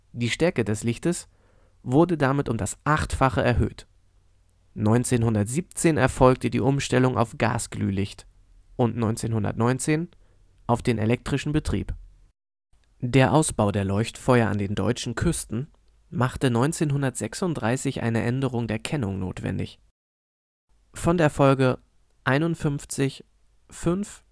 Die Stärke des Lichtes wurde damit um das Achtfache erhöht. 1917 erfolgte die Umstellung auf Gasglühlicht und 1919 auf den elektrischen Betrieb. Der Ausbau der Leuchtfeuer an den deutschen Küsten machte 1936 eine Änderung der Kennung notwendig. Von der Folge 51 - (5